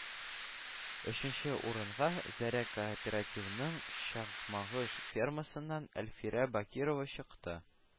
Өченче урынга “Заря” кооперативының Чакмагыш фермасыннан Әлфирә Бакирова чыкты